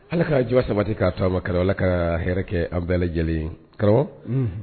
Alah ka hujura sababati k'a tɔ mankara, allah ka hɛrɛ kɛ an bɛɛ lajɛlen ye, karamɔgɔ, unhun.